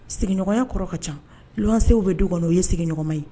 Sigiɲɔgɔnya kɔrɔ ka ca luwansew bɛ du kɔnɔ o ye sigiɲɔgɔnya ye.